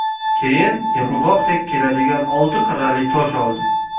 keyin yong'oqdek keladigan olti qirrali tosh oldi